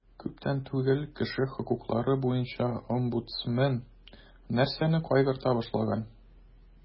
Күптән түгел кеше хокуклары буенча омбудсмен нәрсәне кайгырта башлаган?